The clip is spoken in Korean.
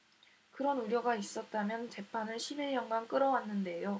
그런 우려가 있었다면 재판을 십 일 년간 끌어왔는데요